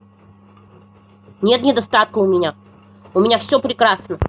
нет недостатка у меня все прекрасно